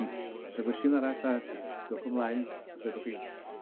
Yym o's 'na gwestiwn arall a jyst dowch ymlaen os fedrwch chi?